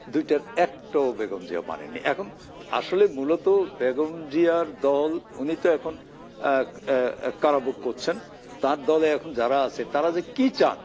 দুইটার একটাও বেগম জিয়া মানেননি এখন আসলে মূলত বেগম জিয়ার দল উনি তো এখন কারাভোগ করছেন তার দল এ এখন যারা আছেন তারা যে কি চান